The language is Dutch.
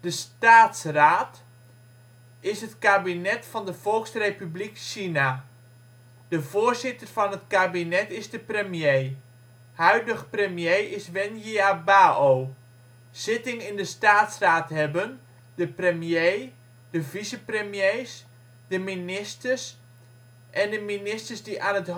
Staatsraad is het kabinet van de Volksrepubliek China. De voorzitter van het kabinet is de premier. Huidige premier is Wen Jiabao. Zitting in de staatsraad hebben: de premier, de vicepremiers, de ministers en de ministers die aan het